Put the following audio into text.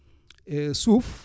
suuf